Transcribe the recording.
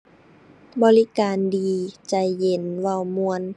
บริการดี ใจเย็น เว้าม่วน